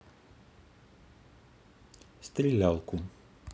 стрелялку